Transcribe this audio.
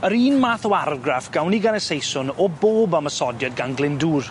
Yr un math o argraff gawn ni gan y Saeson o bob ymosodiad gan Glyndwr.